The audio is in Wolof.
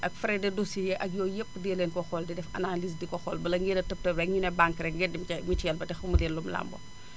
ak frais de dossiers ak yooyu yëpp dee leen ko xool di def analyse di ko xool bala ngeen a tëp tëp rek ñu ne banque rek ngeen dem ca mutuel te xamu leen lum lambool